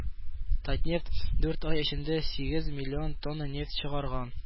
“татнефть” дүрт ай эчендә сигез миллион тонна нефть чыгарган